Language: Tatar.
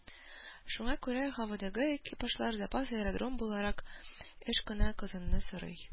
Шуңа күрә һавадагы экипажлар запас аэродром буларак еш кына Казанны сорый